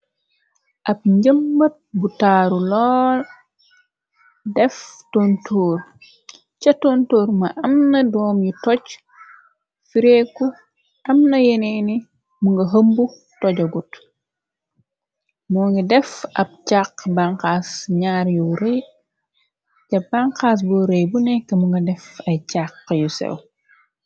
Ab njëmbat bu taaru loon def ca tontoor ma am na doom yu toj fireeku am na yeneeni mu nga hëmb tojo gut moo nga def ab càxx baxas ñar yurca banxaas bu rëy bu nekk mu nga def ay càxx yu sew.